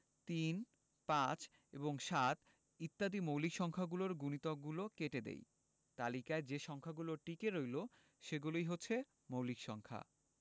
৩ ৫ এবং ৭ ইত্যাদি মৌলিক সংখ্যার গুণিতকগুলো কেটে দিই তালিকায় যে সংখ্যাগুলো টিকে রইল সেগুলো মৌলিক সংখ্যা